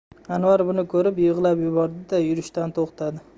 anvar buni ko'rib yig'lab yubordi da yurishdan to'xtadi